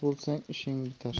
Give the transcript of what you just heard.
bo'lsang ishing bitar